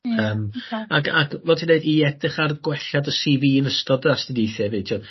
Ie. Yym. Hollol. Ag ag fel ti deud i edrych ar gwella dy See Vee yn ystod dy astudiaethe efyd t'w'o'?